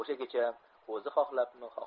o'sha kecha o'zi xohlabmi